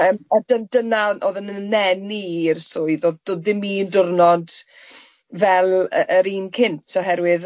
Yym a dy- dyna o'dd yn yn eni i'r swydd o'dd dodd ddim un diwrnod fel yy yr un cynt oherwydd... Hmm.